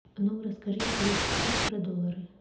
ну расскажи интересный факт про доллары